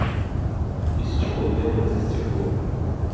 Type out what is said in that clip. из чего делается стекло